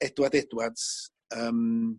Edward Edwards yym